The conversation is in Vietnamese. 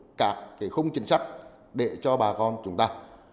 các cái khung chính sách để cho bà con chúng ta